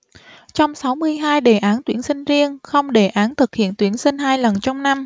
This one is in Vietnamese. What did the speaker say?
trong sáu mươi hai đề án tuyển sinh riêng không đề án thực hiện tuyển sinh hai lần trong năm